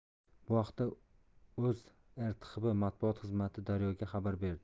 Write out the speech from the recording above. bu haqda o'zrtxb matbuot xizmati daryo ga xabar berdi